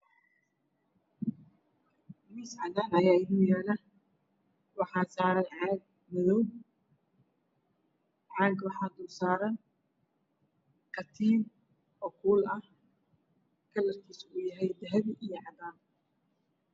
Miis cadaan ayaa inoo yaalo waxaa saaran caag madow caaga waxaa dul saaran katiin kalarkiisa yahay dahabi iyo cadaan